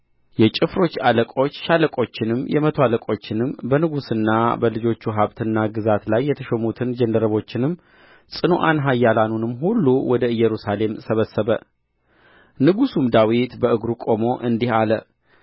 የጭፍሮች አለቆች ሻለቆቹንም የመቶ አለቆችንም በንጉሥና በልጆች ሀብትና ግዛት ላይ የተሾሙትን ጃንደረቦችንም ጽኑዓን ኃይላኑንም ሁሉ ወደ ኢየሩሳሌም ሰበሰበ ንጉሡም ዳዊት በእግሩ ቆሞ እንዲህ አለ